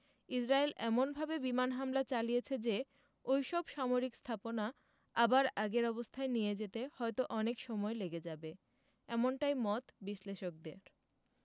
Israel এমনভাবে বিমান হামলা চালিয়েছে যে ওই সব সামরিক স্থাপনা আবার আগের অবস্থায় নিয়ে যেতে হয়তো অনেক সময় লেগে যাবে এমনটাই মত বিশ্লেষকদের